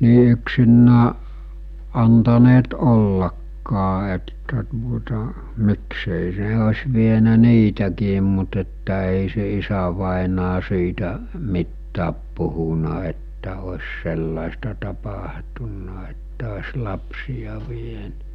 niin yksinään antaneet ollakaan että tuota miksi ei se olisi vienyt niitäkin mutta että ei se isävainaja siitä mitään puhunut että olisi sellaista tapahtunut että olisi lapsia vieneet